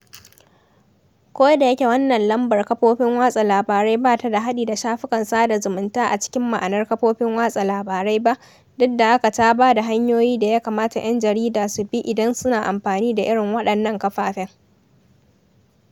Ko da yake wannan lambar kafofin watsa labarai ba ta da haɗi da shafukan sada zumunta a cikin ma'anar kafofin watsa labarai ba, duk da haka ta ba da hanyoyin da ya kamata 'yan jarida su bi idan suna amfani da irin waɗannan kafafen.